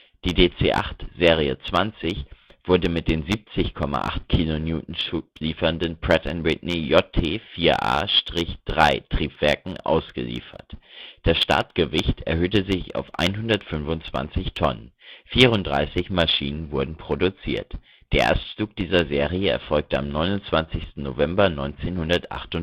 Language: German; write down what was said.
Die DC-8 Serie 20 wurde mit den 70,80 kN Schub liefernden Pratt & Whitney JT4A-3-Triebwerken ausgeliefert. Das Startgewicht erhöhte sich auf 125 Tonnen. 34 Maschinen wurden produziert. Der Erstflug dieser Serie erfolgte am 29. November 1958